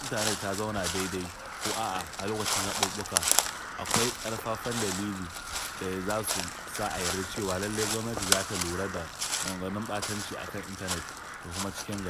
Ko intanet ta zauna daidai ko a'a a lokacin zaɓuɓɓuka, akwai ƙarfafan dalilan da za su sa a yarda cewa lallai gwamnati za ta lura da maganganun ɓatanci a kan intanet da kuma cikin gari.